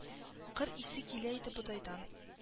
Кыр исе килә иде бодайдан